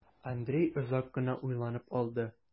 Андрей озак кына уйланып алды.